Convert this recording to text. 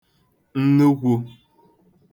nnukwū